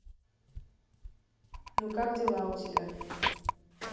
ну как дела у тебя